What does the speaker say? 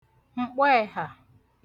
m̀kpọẹ̀hà